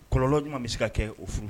Kɔlɔlɔnlɔ ɲɔgɔn bɛ se ka kɛ o furu